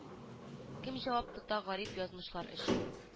Кем җавап тота гарип язмышлар өчен